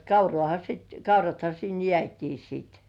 kauraahan sitten kaurathan sinne jäätiin sitten